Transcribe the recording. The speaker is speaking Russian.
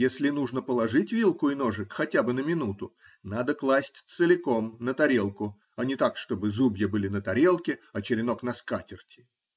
если нужно положить вилку и ножик, хотя бы на минуту, надо класть целиком на тарелку, а не так, чтобы зубья были на тарелке, а черенок на скатерти